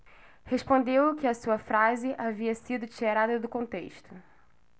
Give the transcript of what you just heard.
respondeu que a sua frase havia sido tirada do contexto